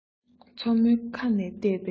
མཚོ མོའི ཁ ནས ལྟས པས